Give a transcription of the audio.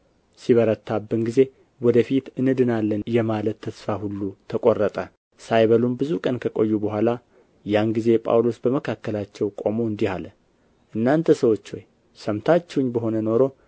ሲበረታብን ጊዜ ወደ ፊት እንድናለን የማለት ተስፋ ሁሉ ተቈረጠ ሳይበሉም ብዙ ቀን ከቆዩ በኋላ ያን ጊዜ ጳውሎስ በመካከላቸው ቆሞ እንዲህ አለ እናንተ ሰዎች ሆይ ሰምታችሁኝ በሆነ ኖሮ